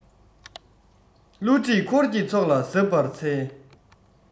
བསླུ བྲིད འཁོར གྱི ཚོགས ལ གཟབ པར འཚལ